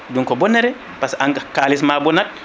donc ko bonnere pasque an kalisma boonat